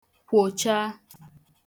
kwòcha